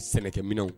Sɛnɛkɛmin